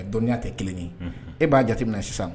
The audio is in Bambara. Dɔnniya tɛ kelen ye e b'a jate minna na sisan